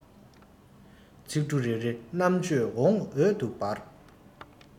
ཚིག འབྲུ རེ རེར རྣམ དཔྱོད འོད དུ འབར